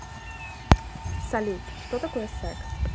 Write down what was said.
салют что такое секс